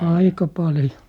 aika paljon